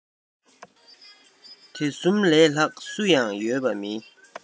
དེ གསུམ ལས ལྷག སུ ཡང ཡོད པ མིན